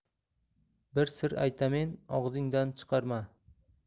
bir sir aytamen og'zing dan chiqarma